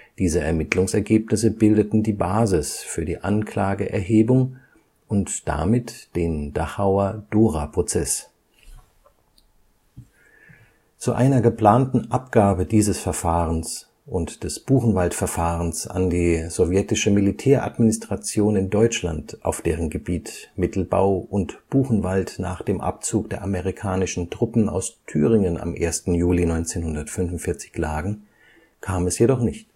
Diese Ermittlungsergebnisse bildeten die Basis für die Anklageerhebung und damit den Dachauer Dora-Prozess. Zu einer geplanten Abgabe dieses Verfahrens und des Buchenwald-Verfahrens an die Sowjetische Militäradministration in Deutschland, auf deren Gebiet Mittelbau und Buchenwald nach dem Abzug der amerikanischen Truppen aus Thüringen am 1. Juli 1945 lagen, kam es jedoch nicht